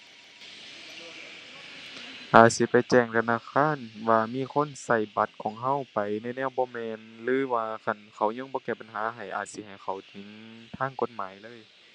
อาจสิไปแจ้งธนาคารว่ามีคนใช้บัตรของใช้ไปในแนวบ่แม่น หรือว่าคันเขายังบ่แก้ปัญหาให้ อาจสิให้เข้าถึงทางกฎหมายเลย